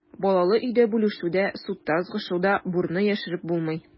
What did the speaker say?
Балалы өйдә бүлешү дә, судта ызгышу да, бурны яшереп булмый.